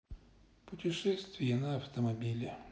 путешествие на автомобиле